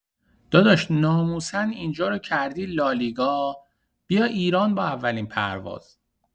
داداش ناموسن اینجا رو کردی لالیگا بیا ایران با اولین پرواز